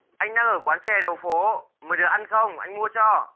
anh đang ở quán chè đầu phố mấy đứa ăn không anh mua cho